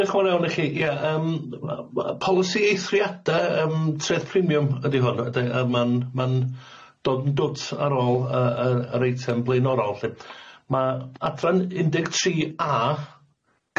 Diolch yn fawr iawn i chi ie yym yy yy polisi eithriadau yym traeth premium ydi hwn ydi yy ma'n ma'n dod yn dwt ar ôl yy yr eitem blaenorol lly ma' adran un deg tri a,